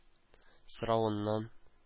Соравыннан